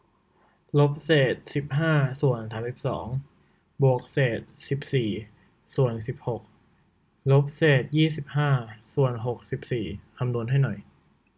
ลบเศษสิบห้าส่วนสามสิบสองบวกเศษสิบสี่ส่วนสิบหกลบเศษยี่สิบห้าส่วนหกสิบสี่คำนวณให้หน่อย